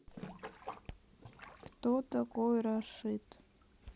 кто такой рашид